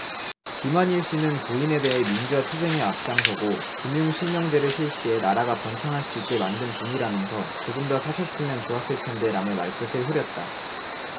김완일씨는 고인에 대해 민주화 투쟁에 앞장서고 금융실명제를 실시해 나라가 번창할 수 있게 만든 분이라면서 조금 더 사셨으면 좋았을 텐데 라며 말끝을 흐렸다